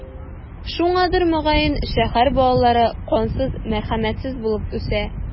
Шуңадыр, мөгаен, шәһәр балалары кансыз, мәрхәмәтсез булып үсә.